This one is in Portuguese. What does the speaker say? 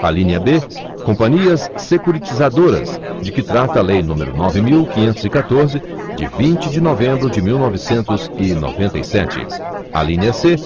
alínea b companhias securitizadoras de que trata a lei número nove mil quinhentos e catorze de vinte de novembro de mil e novecentos e noventa e sete alínea c